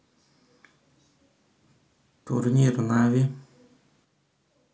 турнир нави